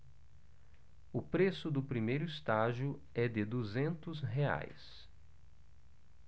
o preço do primeiro estágio é de duzentos reais